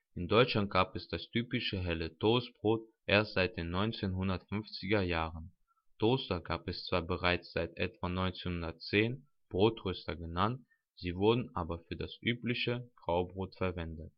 In Deutschland gibt es das typische helle Toastbrot erst seit den 1950er Jahren. Toaster gab es zwar bereits seit etwa 1910, „ Brotröster “genannt, sie wurden aber für das übliche Graubrot verwendet